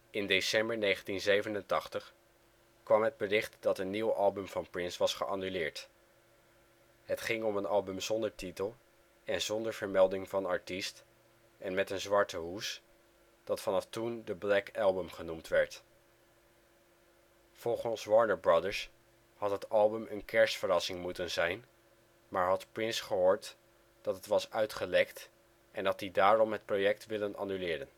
In december 1987 kwam het bericht dat een nieuw album van Prince was geannuleerd. Het ging om een album zonder titel en zonder vermelding van artiest en met een zwarte hoes, dat vanaf toen The Black Album genoemd werd. Volgens Warner Brothers had het album een kerstverrassing moeten zijn, maar had Prince gehoord dat het was uitgelekt en had die daarom het project willen annuleren